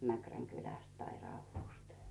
Mäkrän kylästä tai Raudusta